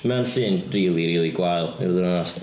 Mae o'n llun rili, rili gwael i fod yn onest.